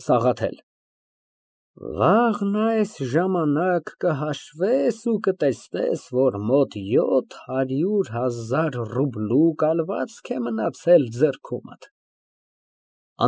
ՍԱՂԱԹԵԼ ֊ Վաղն այս ժամանակ կհաշվես ու կտեսնես, որ մոտ յոթ հարյուր հազար ռուբլու կալվածք է մնացել ձեռքումդ։